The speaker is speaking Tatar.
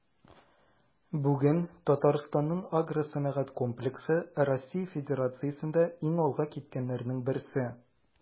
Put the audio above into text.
Бүген Татарстанның агросәнәгать комплексы Россия Федерациясендә иң алга киткәннәрнең берсе.